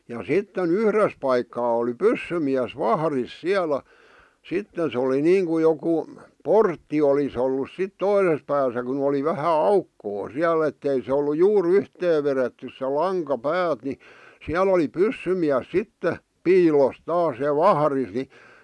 ja sitten yhdessä paikkaa oli pyssymies vahdissa siellä sitten se oli niin kuin joku portti olisi ollut sitten toisessa päässä kun oli vähän aukkoa siellä että ei se ollut juuri yhteen vedetty se lanka päät niin siellä oli pyssymies sitten piilossa taas ja vahdissa niin